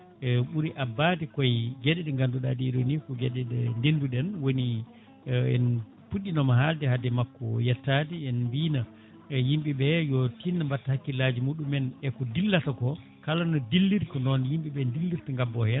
e o ɓuuri abbade koyi gueɗe ɗe ganduɗa ɗi ɗon ni ko gueɗe ɗe ndenduɗen woni en puɗɗinoma haalde haade makko yettade en mbino yimɓeɓe yo tinno mbatta hakkillaji muɗum en e ko dillata ko kala no dilliri ko noon yimɓeɓe dillirta gabbo hen